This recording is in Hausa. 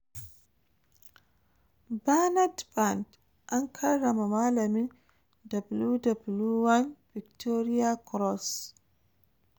Bernard Vann: An karrama malamin WW1 victoria cross